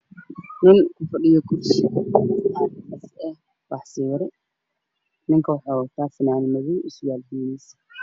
Nin ku fadhiyo kursi miis eh aya wax sawiray ninka wuxu wataa funaanad madow iyo surwaal jeemis ah